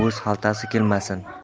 bo'z xaltasi kelmasin